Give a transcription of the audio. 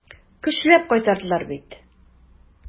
Көчләп кайтардылар бит.